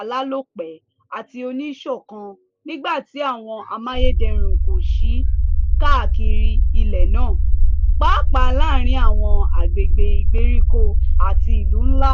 alálòpẹ́ àti oníṣọ̀kan nígbà tí àwọn amáyédẹrùn kò ṣì kárí ilẹ̀ náà, pàápàá láàárín àwọn agbègbè ìgbèríko àti ìlú ńlá.